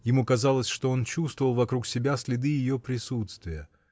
ему казалось, что он чувствовал вокруг себя следы ее присутствия